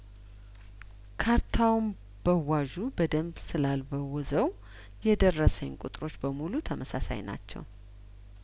ካርታውን በዋዡ በደንብ ስላልበወ ዘው የደረሰኝ ቁጥሮች በሙሉ ተመሳሳይ ናቸው